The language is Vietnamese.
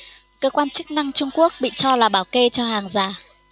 cơ quan chức năng trung quốc bị cho là bảo kê cho hàng giả